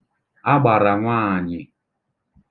agbàrànwaànyị̀